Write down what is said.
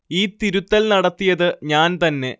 ഈ തിരുത്തൽ നടത്തിയത് ഞാൻ തന്നെ